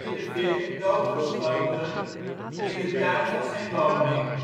1944 doodgeschoten in de tuin van zijn woning